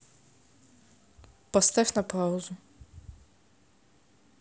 поставь на паузу